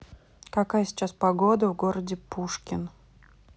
какая сейчас погода в городе пушкин